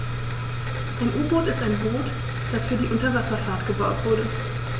Ein U-Boot ist ein Boot, das für die Unterwasserfahrt gebaut wurde.